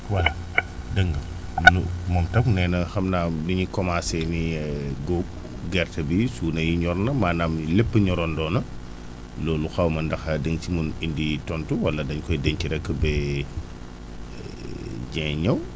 voilà dégg nga moom itam nee na xam naa ni ñu commencer nii góob gerte bi suuna yi ñor na maanaam lépp ñorandoo na loolu xaw ma ndax da nga si mën indi tontu wala da nga koy denc rek be Dieng ñëw